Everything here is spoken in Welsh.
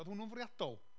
Oedd hwnnw'n fwriadol?